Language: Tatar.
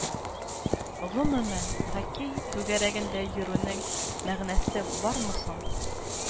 Гомумән, хоккей түгәрәгендә йөрүнең мәгънәсе бармы соң